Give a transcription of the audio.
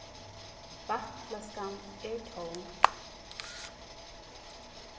vatnfløskan er tóm